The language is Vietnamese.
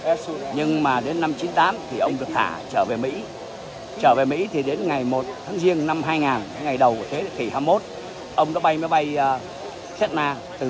nhưng mà đến năm chín tám thì ông được thả trở về mỹ trở về mỹ thì đến ngày một tháng giêng năm hai ngàn ngày đầu của thế kỷ hai mốt ông đã bay máy bay séc na từ